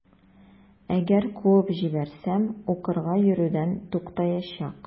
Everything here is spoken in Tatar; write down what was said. Әгәр куып җибәрсәм, укырга йөрүдән туктаячак.